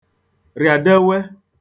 rịadewe